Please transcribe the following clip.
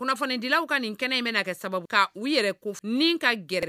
Kunnafonidilaw ka nin kɛnɛ in na kɛ sababu kan u yɛrɛ ko nin ka gɛrɛ